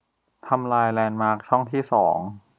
ทำลายแลนด์มาร์คช่องที่สอง